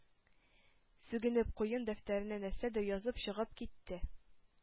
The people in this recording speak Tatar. Сүгенеп, куен дәфтәренә нәрсәдер язып чыгып китте.